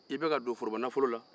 i bɛ ka don forobanafolo la